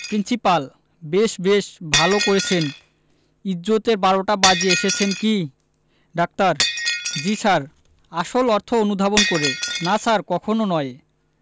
principal বেশ বেশ ভালো করেছেন ইজ্জতের বারোটা বাজিয়ে এসেছেন কি ডাক্তার জ্বী স্যার আসল অর্থ অনুধাবন করে না স্যার কক্ষণো নয়